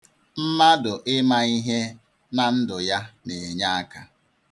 Mmadụ ịma ihe na ndụ ya na-enye aka.